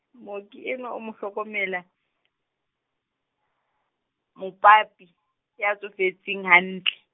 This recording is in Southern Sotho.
mooki enwa o mo hlokomela, mopapi, ya tsofetseng hantle.